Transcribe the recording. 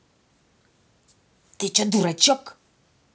ты че дурачок